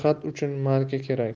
xat uchun marka kerak